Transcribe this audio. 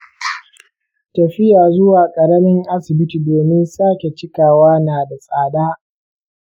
tafiya zuwa ƙaramin asibiti domin sake-cikawa na da tsada.